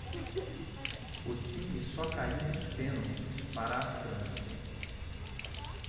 o time só caiu nos pênaltis para a frança